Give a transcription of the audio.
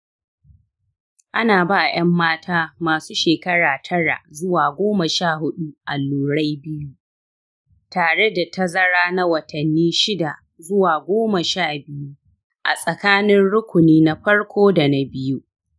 ana ba ‘yan mata masu shekara tara zuwa goma sha huɗu allurai biyu, tare da tazara na watanni shida zuwa goma sha biyu a tsakanin rukuni na farko da na biyu.